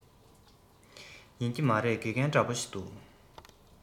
ཡིན གྱི མ རེད དགེ རྒན འདྲ པོ འདུག